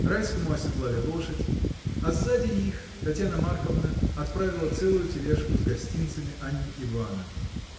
Райскому оседлали лошадь, а сзади их Татьяна Марковна отправила целую тележку с гостинцами Анне Ивановне.